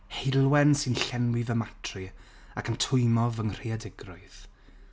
Heulwen sy'n llenwi fy matri ac yn twymo fy nghreadigrwydd,